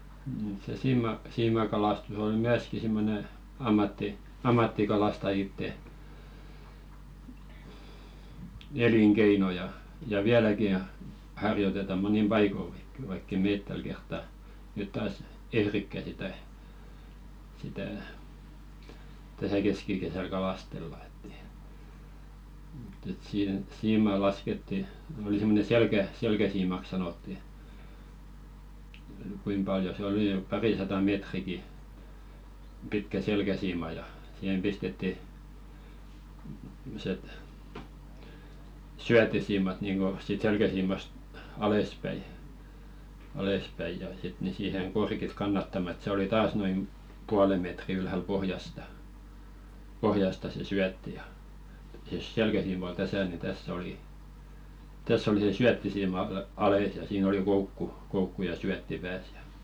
ne se - siimakalastus oli myöskin semmoinen - ammattikalastajien elinkeino ja ja vieläkin on harjoitetaan monin paikonkin vaikka ei me tällä kertaa nyt taas ehdikään sitä sitä tässä keskikesällä kalastella että ei mutta että siimaa laskettiin oli semmoinen - selkäsiimaksi sanottiin kuinka paljon se oli nyt parisataa metriäkin pitkä selkäsiima ja siihen pistettiin semmoiset syöttisiimat niin kuin siitä selkäsiimasta alaspäin alaspäin ja sitten niin siihen korkit kannattamaan että se oli taas noin puolen metriä ylhäällä pohjasta pohjasta se syötti ja jos selkäsiima oli tässä niin tässä oli tässä oli se syöttisiima alas ja siinä oli koukku koukku ja syötti päässä ja